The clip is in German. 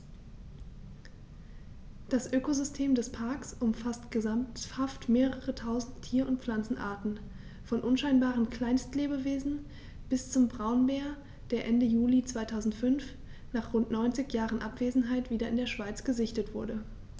Das Ökosystem des Parks umfasst gesamthaft mehrere tausend Tier- und Pflanzenarten, von unscheinbaren Kleinstlebewesen bis zum Braunbär, der Ende Juli 2005, nach rund 90 Jahren Abwesenheit, wieder in der Schweiz gesichtet wurde.